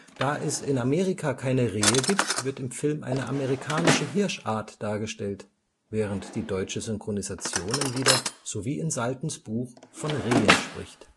Da es in Amerika keine Rehe gibt, wird im Film eine amerikanische Hirschart dargestellt, während die deutsche Synchronisationen wieder – so wie in Saltens Buch – von Rehen spricht